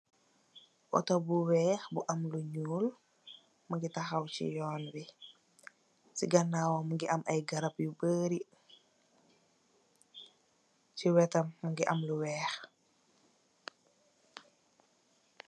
Otu bu weex bu am lu nuul muge taxaw se yoon be se ganawam muge am garab yu bory se wetam muge am lu weex.